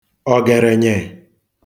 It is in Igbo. ògèrènyè